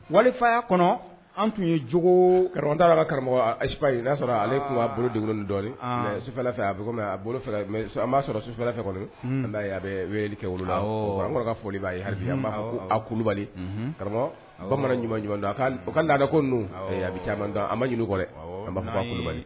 Walifaya kɔnɔ tun ye j karamɔgɔda karamɔgɔ ayi n'a sɔrɔ ale tun b'a bolo dɔfɛ fɛ a a bolo b'a sɔrɔ sufɛ a bɛ kɛ wolokɔrɔ ka folili'a ye kulubali karamɔgɔ bamanan ɲumanuma ɲuman ka ko a caman an ma ɲini kɔrɔ an kulubali